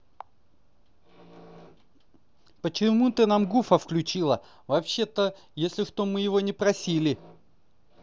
почему ты нам гуфа включила вообще то если что мы его не просили